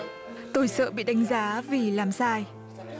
tôi sợ bị đánh giá vì làm sai